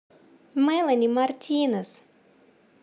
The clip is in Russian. melanie martinez